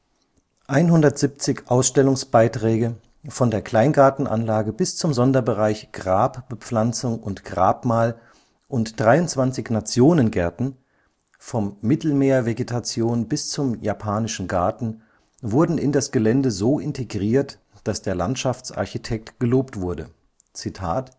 170 Ausstellungsbeiträge, von der Kleingartenanlage bis zum Sonderbereich Grabbepflanzung und Grabmal und 23 Nationengärten, von Mittelmeervegetation bis zum Japanischen Garten, wurden in das Gelände so integriert, dass der Landschaftsarchitekt gelobt wurde: „ In